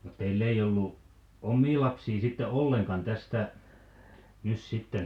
no teillä ei ollut omia lapsia sitten ollenkaan tästä nyt sitten